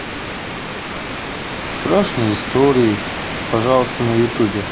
страшные истории пожалуйста на ютюбе